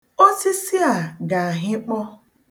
Osisi a ga-ahịkpọ.